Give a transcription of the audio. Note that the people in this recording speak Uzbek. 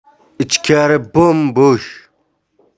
ichkari bo'm bo'sh